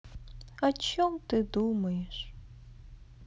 о чем ты думаешь